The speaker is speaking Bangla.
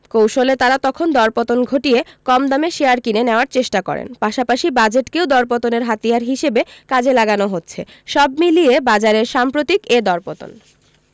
কৌশলে তাঁরা তখন দরপতন ঘটিয়ে কম দামে শেয়ার কিনে নেওয়ার চেষ্টা করেন পাশাপাশি বাজেটকেও দরপতনের হাতিয়ার হিসেবে কাজে লাগানো হচ্ছে সব মিলিয়ে বাজারের সাম্প্রতিক এ দরপতন